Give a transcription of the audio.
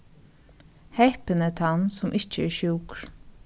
heppin er tann sum ikki er sjúkur